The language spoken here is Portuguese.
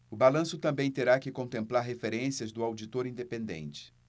o balanço também terá que contemplar referências do auditor independente